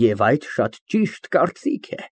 Եվ այդ շատ ճիշտ կարծիք է։